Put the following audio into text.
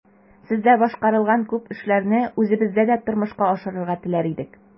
Сездә башкарылган күп эшләрне үзебездә дә тормышка ашырырга теләр идек.